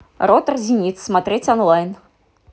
ротор зенит смотреть онлайн